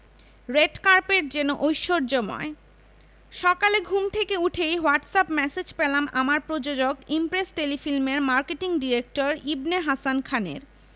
red carpet যেন ঐশ্বর্যময় সকালে ঘুম থেকে উঠেই হোয়াটসঅ্যাপ ম্যাসেজ পেলাম আমার প্রযোজক ইমপ্রেস টেলিফিল্মের মার্কেটিং ডিরেক্টর ইবনে হাসান খানের